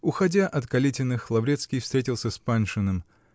Уходя от Калитиных, Лаврецкий встретился с Паншиным